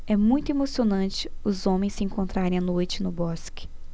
é muito emocionante os homens se encontrarem à noite no bosque